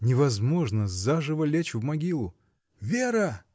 Невозможно заживо лечь в могилу! — Вера!